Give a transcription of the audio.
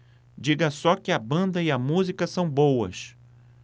digo só que a banda e a música são boas